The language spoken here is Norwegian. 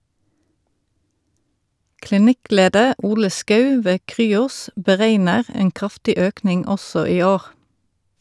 Klinikkleder Ole Schou ved Cryos beregner en kraftig økning også i år.